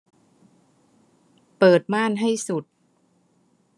เปิดม่านให้สุด